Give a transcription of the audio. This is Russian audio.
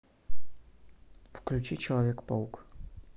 включи человек паук